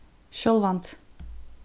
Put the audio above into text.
sjálvandi